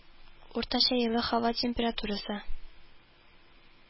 Уртача еллык һава температурасы